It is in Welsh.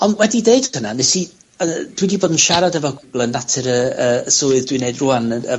Ond, wedi deud hwnna, nes i, yy, dwi 'di bod yn siarad efo pobol yn natur y y swydd dwi'n neud rwan yn yy...